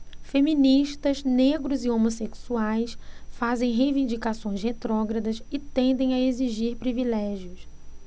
feministas negros e homossexuais fazem reivindicações retrógradas e tendem a exigir privilégios